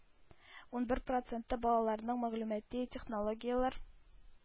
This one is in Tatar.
Унбер проценты балаларының мәгълүмати технологияләр,